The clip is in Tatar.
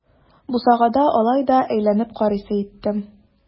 Бусагада алай да әйләнеп карыйсы иттем.